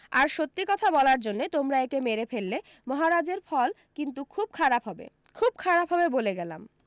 আর সত্যি কথা বলার জন্যে তোমরা একে মেরে ফেললে মহারাজ এর ফল কিন্তু খুব খারাপ হবে খুব খারাপ হবে বলে গেলাম